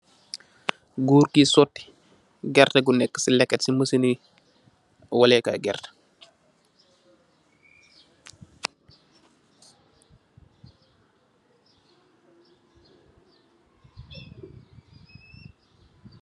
Gór ngi soti gerteh gu nekka ci leket ci masini walekai gerteh.